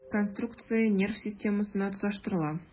Конструкция нерв системасына тоташтырыла.